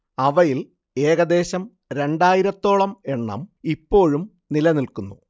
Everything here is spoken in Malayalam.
അവയില്‍ ഏകദ്ദേശം രണ്ടായിരത്തോളം എണ്ണം ഇപ്പോഴും നിലനിൽക്കുന്നു